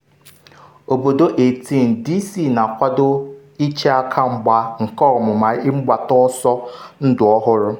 Obodo 18, D.C na-akwado ịche aka mgba nke amụma mgbata ọsọ ndụ ọhụrụ